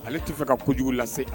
Ale te fɛ ka kojugu lase a